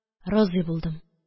Разый булдым